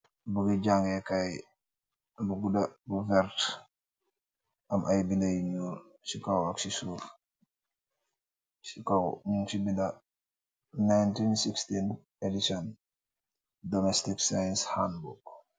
Bukeh jangeh gaii , bu gudah bu werta , emm ayy bendah yu null , si koow ak si suf, si koow yugsi bendah , 1916 edition domestic science handbook .